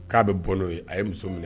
K'a bɛ bɔ a ye muso minɛ